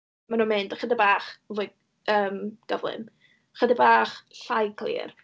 Maen nhw'n mynd ychydig bach fwy, yym, gyflym. Chydig bach llai clir.